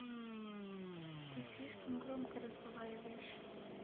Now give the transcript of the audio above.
ты слишком громко разговариваешь